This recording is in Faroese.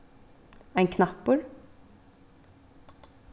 ein knappur